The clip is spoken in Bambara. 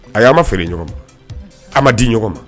A' ma feere ɲɔgɔn ma an ma di ɲɔgɔn ma